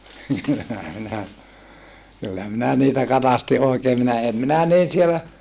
kyllähän minä kyllä minä niitä katsastin oikein minä en minä niin siellä